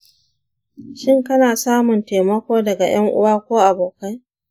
shin kana samun taimako daga 'yan uwa ko abokai?